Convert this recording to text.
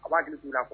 A'a hakili k'a fɔ